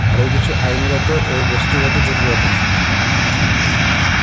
আরও কিছু আইনগত ও বস্তুগত জটিলতা ছিল